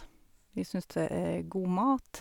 Vi syns det er god mat.